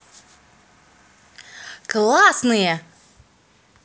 классные